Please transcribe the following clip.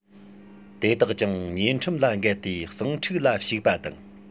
དེ དག ཀྱང ཉེས ཁྲིམས ལ འགལ ཏེ ཟིང འཁྲུག ལ ཞུགས པ དང